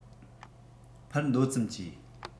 འཕར འདོད ཙམ གྱིས